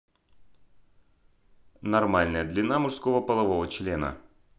нормальная длина мужского полового члена